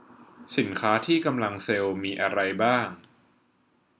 สินค้าที่กำลังเซลล์มีอะไรบ้าง